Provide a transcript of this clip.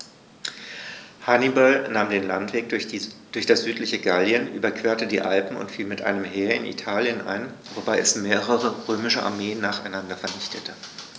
Hannibal nahm den Landweg durch das südliche Gallien, überquerte die Alpen und fiel mit einem Heer in Italien ein, wobei er mehrere römische Armeen nacheinander vernichtete.